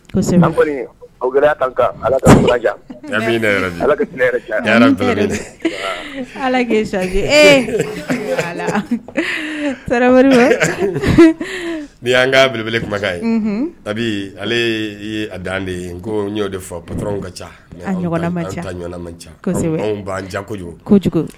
Ni' kaelebele kumakan tabi ale a dan de ye n koo de fɔ paw ka ca ca kojugu